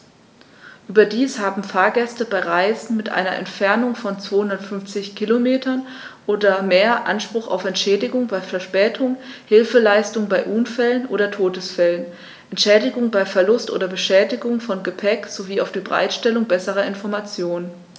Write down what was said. Überdies haben Fahrgäste bei Reisen mit einer Entfernung von 250 km oder mehr Anspruch auf Entschädigung bei Verspätungen, Hilfeleistung bei Unfällen oder Todesfällen, Entschädigung bei Verlust oder Beschädigung von Gepäck, sowie auf die Bereitstellung besserer Informationen.